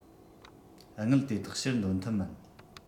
དངུལ དེ དག ཕྱིར འདོན ཐུབ མིན